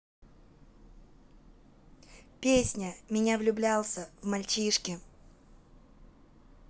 песня меня влюблялся в мальчишки